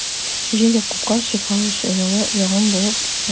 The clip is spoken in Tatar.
Җил Якупка шифалы җылы агым булып исә.